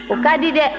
o ka di dɛ